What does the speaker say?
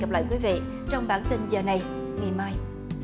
gặp lại quý vị trong bản tin giờ này ngày mai